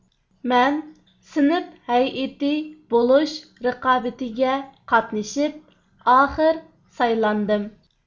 مەن سىنىپ ھەيئىتى بولۇش رىقابىتىگە قاتىنىشپ ئاخىر سايلاندىم